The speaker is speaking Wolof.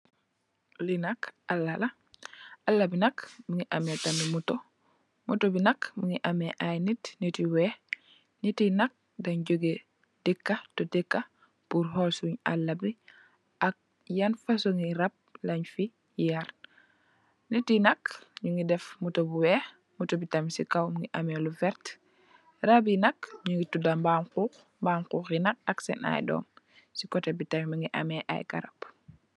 Lee nak alla la alla be nak muge ameh tamin motou motou be nak muge ameh aye neet neet yu weex neet ye nak dang juge deka tu deka purr hol sun alla be ak yan fosunge rabb len fe yarr neete ye nak nuge def motou bu weex otu be tam se kaw muge ameh lu verte rabb ye nak nuge tuda maamguh maamguh yee nak ak sen aye dome se koteh tam muge ameh aye garab.